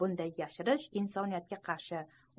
bunday yashirish insoniyatga qarshi